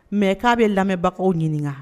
Mɛ k'a bɛ lamɛnbagaw ɲininka